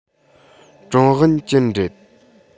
ཀྲང ཝུན ཅུན རེད